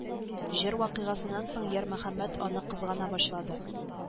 Җыр вакыйгасыннан соң ярмөхәммәт аны кызгана башлады